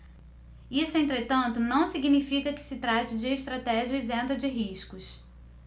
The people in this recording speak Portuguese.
isso entretanto não significa que se trate de estratégia isenta de riscos